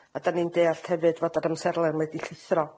A 'dan ni'n deall hefyd fod yr amserlen wedi llithro.